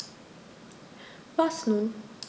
Was nun?